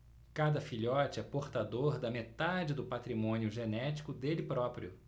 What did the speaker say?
cada filhote é portador da metade do patrimônio genético dele próprio